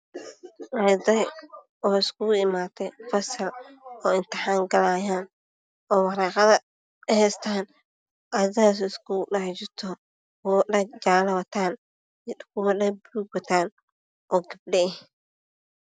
Waa arday fasal iskugu imaaday oo intixaan kujirto oo waraaqado heysta ardayda qaar waxay wataan dhar jaale ah qaarna dhar buluug ah wataan oo gabdho ah.